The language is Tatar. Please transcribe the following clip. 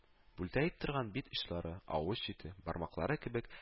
Бүлтәеп торган бит очлары, авыз чите, бармаклары кебек